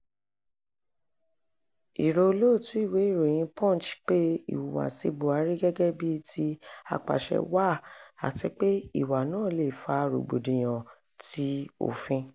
Ìrò olóòtú ìwé ìròyìn Punch pe ìhùwàsíi Buhari gẹ́gẹ́ bíi ti apàṣẹ-wàá àti pé ìwà náà lè fa rògbòdìyàn-an ti òfin: